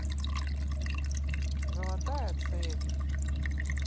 золотая цепь